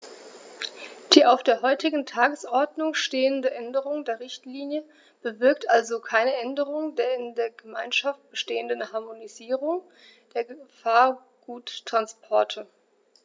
Die auf der heutigen Tagesordnung stehende Änderung der Richtlinie bewirkt also keine Änderung der in der Gemeinschaft bestehenden Harmonisierung der Gefahrguttransporte.